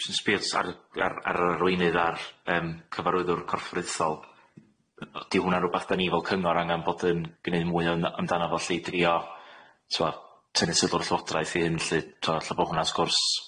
Spio ar ar ar yr arweinydd a'r yym cyfarwyddwr corfforaethol yy yy ydi hwnna rwbath dan ni fel cyngor angan bod yn gneud mwy o na- amdano fo lly drio t'mo' tynnu tyddwr Llywodraeth i hyn lly t'mo' ella bo' hwnna wrth gwrs